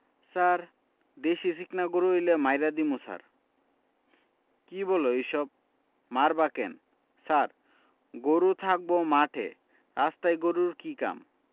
ছার দেশি চিকনা গরু হইলে মাইরা দিমু ছার কী বলো এইসব মারবা কেন ছার গরু থাকবো মাঠে রাস্তায় গরুর কি কাম